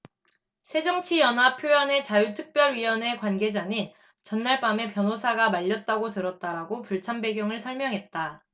새정치연합 표현의자유특별위원회 관계자는 전날 밤에 변호사가 말렸다고 들었다라고 불참 배경을 설명했다